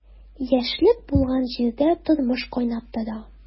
Яшьлек булган җирдә тормыш кайнап тора.